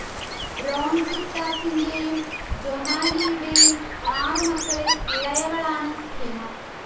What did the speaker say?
രോൺജിത് ദാസിന്റെയും ജൊമാലിയുടെയും ആറുമക്കളിൽ ഇളയവളാണ് ഹിമ